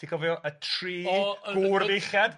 Ti'n cofio y tri... O yn y... gŵr Meichiad?